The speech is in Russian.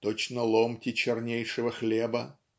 точно ломти чернейшего хлеба".